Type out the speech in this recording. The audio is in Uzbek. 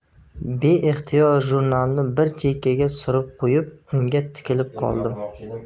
beixtiyor jurnalni bir chekkaga surib qo'yib unga tikilib qoldim